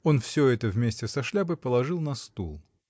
Он всё это вместе со шляпой положил на стул.